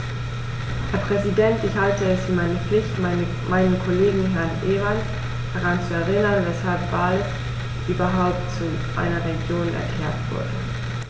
Herr Präsident, ich halte es für meine Pflicht, meinen Kollegen Herrn Evans daran zu erinnern, weshalb Wales überhaupt zu einer Region erklärt wurde.